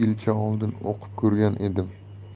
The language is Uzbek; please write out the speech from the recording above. yilcha oldin o'qib ko'rgan edim